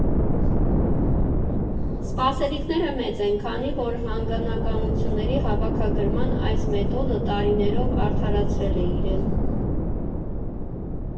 Սպասելիքները մեծ են, քանի որ հանգանակությունների հավաքագրման այս մեթոդը տարիներով արդարացրել է իրեն։